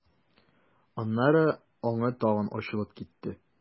Аннары аңы тагы ачылып китте.